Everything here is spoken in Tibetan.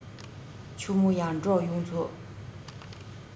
ཆུ མོ ཡར འབྲོག གཡུ མཚོ